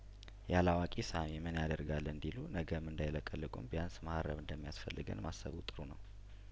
ያለአዋቂ ሳሚምን ያደርጋል እንዲሉ ነገም እንዳይለቀለቁን ቢያንስ መሀረብ እንደሚያስፈልገን ማሰቡ ጥሩ ነው